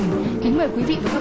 kính mời quý vị